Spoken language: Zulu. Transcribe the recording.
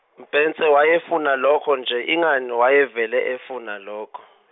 Mbhense wayefuna lokho nje ingani wayevele efuna lokho.